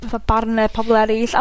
fatha barne pobol eryll a...